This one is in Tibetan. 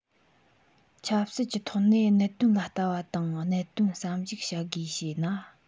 ཆབ སྲིད ཀྱི ཐོག ནས གནད དོན ལ ལྟ བ དང གནད དོན བསམ གཞིགས བྱ དགོས ཞེ ན